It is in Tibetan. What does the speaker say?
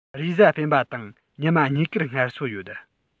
རེས གཟའ སྤེན པ དང ཉི མ གཉིས ཀར ངལ གསོ ཡོད